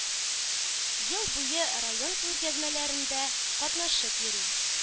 Ел буе район күргәзмәләрендә катнашып йөри.